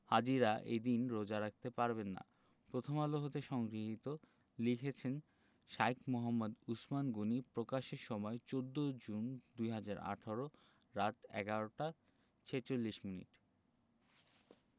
হাজিরা এই দিন রোজা রাখতে পারবেন না প্রথমআলো হতে সংগৃহীত লিখেছেন শাঈখ মুহাম্মদ উছমান গনী প্রকাশের সময় ১৪ জুন ২০১৮ রাত ১১টা ৪৬ মিনিট